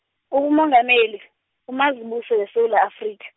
ubumongameli, uMazibuse weSewula Afrika.